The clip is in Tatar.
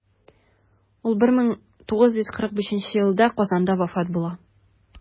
Ул 1945 елда Казанда вафат була.